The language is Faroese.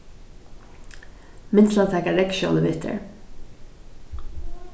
minst til at taka regnskjólið við tær